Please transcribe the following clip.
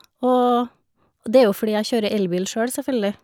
og Og det er jo fordi jeg kjører elbil sjøl, selvfølgelig.